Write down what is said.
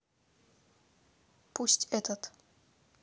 пусть этот